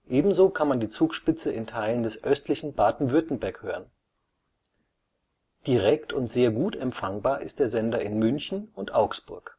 Ebenso kann man die Zugspitze in Teilen des östlichen Baden-Württemberg hören. Direkt und sehr gut empfangbar ist der Sender in München und Augsburg